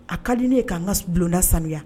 A ka di ne k'an ka bulonlonda samiya